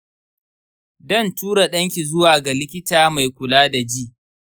dan tura danki zuwa ga likita mai kula da ji.